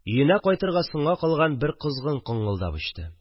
Өенә кайтырга соңга калган бер козгын коңгылдап очты